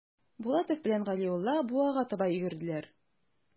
Булатов белән Галиулла буага таба йөгерделәр.